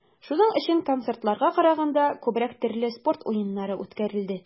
Шуның өчен, концертларга караганда, күбрәк төрле спорт уеннары үткәрелде.